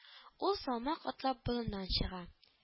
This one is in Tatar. Ул салмак атлап болыннан чыга